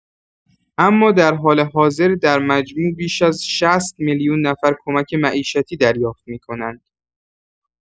اما در حال حاضر در مجموع بیش از ۶۰ میلیون نفر کمک معیشتی دریافت می‌کنند.